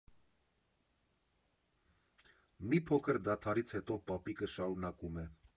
Մի փոքր դադարից հետո, պապիկը շարունակում է.